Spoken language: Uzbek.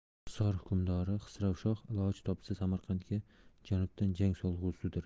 hisor hukmdori xisravshoh iloj topsa samarqandga janubdan chang solg'usidir